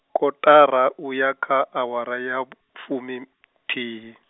kotara uya kha awara ya vhufumithihi.